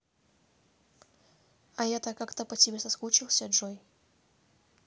а я то как по тебе соскучился джой